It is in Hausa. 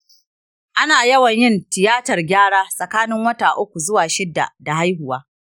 ana yawan yin tiyatar gyara tsakanin wata uku zuwa shida da haihuwa.